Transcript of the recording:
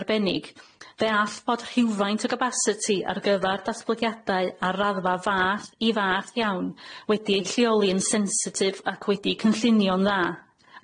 arbennig fe all bod rhywfaint o gabacity ar gyfar datblygiadau ar raddfa fath i fath iawn wedi'i lleoli'n sensitif ac wedi'i cynllunio'n dda,